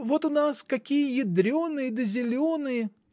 Вот у нас какие ядреные да зеленые!